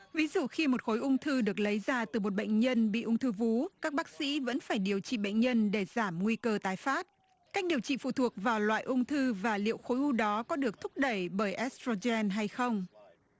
ví dụ khi một khối ung thư được lấy ra từ một bệnh nhân bị ung thư vú các bác sĩ vẫn phải điều trị bệnh nhân để giảm nguy cơ tái phát cách điều trị phụ thuộc vào loại ung thư và liệu khối u đó có được thúc đẩy bởi ét dô gen hay không